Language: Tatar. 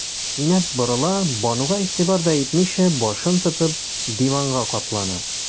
Кинәт борыла, Бануга игътибар да итмичә, башын тотып, диванга каплана.